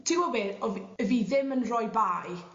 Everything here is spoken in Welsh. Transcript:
ti gwbo be' o' f- 'yf fi ddim yn roi bai